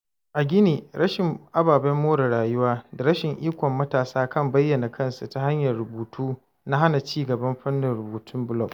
A Guinea, rashin ababen more rayuwa da rashin ikon matasa kan bayyana kansu ta hanyar rubutu na hana cigaban fannin rubutun blog.